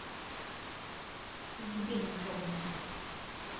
уебень ебаная